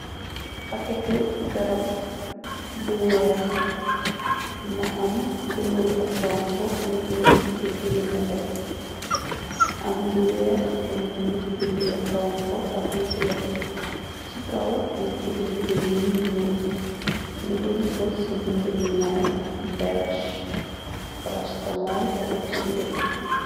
Paketu garab bu weex. Mu am kuluur ba xonko ni bind ci bind yu nete. Am lu weex nu bind ci bind yu xonko ak mi bula ci kaw. Nyuñ ci bind bind yu ñuul lu gëna fos. Ci bind bi mooy belgeprastamol eleksire.